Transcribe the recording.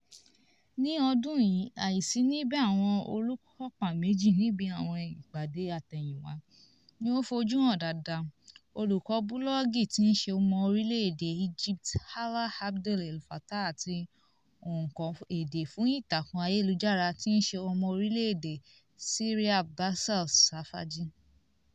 Ní ọdún yìí, àìsí níbẹ̀ àwọn olùkópa méjì níbi àwọn ìpàdé àtẹ̀yìnwá ni ó fojú hàn dáadáa: Olùkọ búlọ́ọ̀gù tí í ṣe ọmọ orílẹ̀ èdè Egypt Alaa Abd El Fattah àti ọ̀ǹkọ èdè fún ìtàkùn ayélujára tí í ṣe ọmọ orílẹ̀ èdè Syria Bassel Safadi.